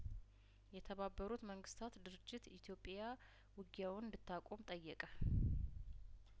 የተባበሩት መንግስታት ድርጅት ኢትዮጵያ ውጊያውን እንድታቆም ጠየቀ